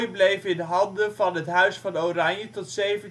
bleef in handen van het Huis van Oranje tot 1795